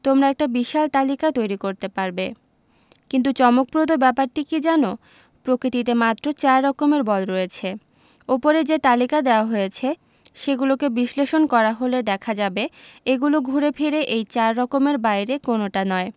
তোমরা একটা বিশাল তালিকা তৈরি করতে পারবে কিন্তু চমকপ্রদ ব্যাপারটি কী জানো প্রকৃতিতে মাত্র চার রকমের বল রয়েছে ওপরে যে তালিকা দেওয়া হয়েছে সেগুলোকে বিশ্লেষণ করা হলে দেখা যাবে এগুলো ঘুরে ফিরে এই চার রকমের বাইরে কোনোটা নয়